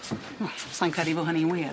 Wel sai'n credu bo' hynny'n wir.